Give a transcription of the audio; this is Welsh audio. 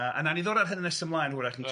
...yy a wnawn ni ddod â'r hyn yn nes ymlaen wrach